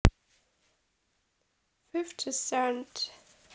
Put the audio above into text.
фифти сент